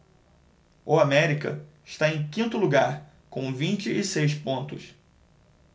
o américa está em quinto lugar com vinte e seis pontos